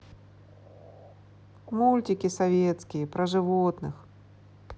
мультики советские про животных